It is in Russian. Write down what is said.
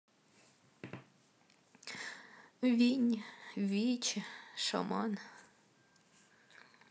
вини вичи шаман